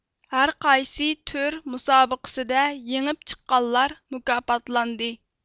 ھەرقايسى تۈر مۇسابىقىسىدە يېڭىپ چىققانلار مۇكاپاتلاندى